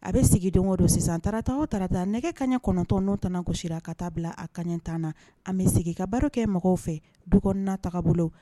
A bɛ sigi don o don sisan taarata o tata nɛgɛ kaɲɛ kɔnɔntɔn n' t kosira ka taa bila a kaɲɛtan na a bɛ segin ka baara kɛ mɔgɔw fɛ du kɔnɔtaa bolo